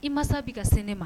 I mansasa bi ka sɛnɛ ne ma